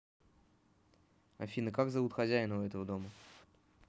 афина как зовут хозяина у этого дома